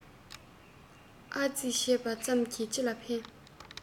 ཨ ཙི བྱས པ ཙམ གྱིས ཅི ལ ཕན